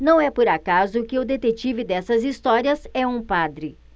não é por acaso que o detetive dessas histórias é um padre